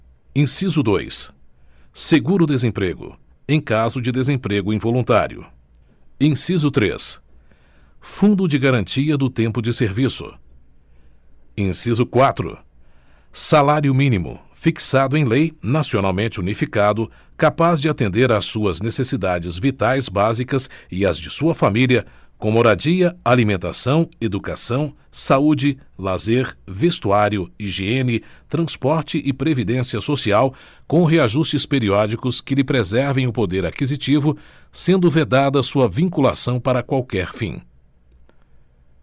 inciso dois seguro desemprego em caso de desemprego involuntário inciso três fundo de garantia do tempo de serviço inciso quatro salário mínimo fixado em lei nacionalmente unificado capaz de atender às suas necessidades vitais básicas e às de sua família com moradia alimentação educação saúde lazer vestuário higiene transporte e previdência social com reajustes periódicos que lhe preservem o poder aquisitivo sendo vedada sua vinculação para qualquer fim